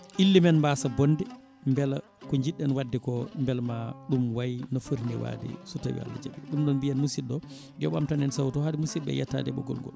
ille men mbaasa bonde beela ko jidɗen wadde ko beeal ma ɗum waayi no footi ni waade so tawi Allah jaaɓi ɗum noon mbiyen musidɗo o yo ɓamtan en sawto o haade musibɓe yettade e ɓoggol ngol